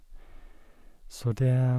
Så det...